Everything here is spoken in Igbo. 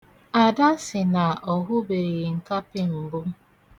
Ada sị na ọ hụbeghị nkapị mbu.